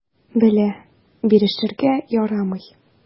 Белә: бирешергә ярамый.